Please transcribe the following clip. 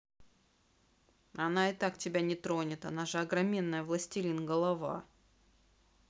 а она и так тебя не тронет она же огроменная властелин голова